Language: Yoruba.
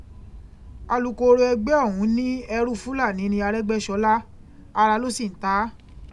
Alukoro ẹgbẹ́ ọ̀hún ní ẹrú Fúlàní ni Arẹ́gbẹ́sọlá, ara ló sì ń ta á.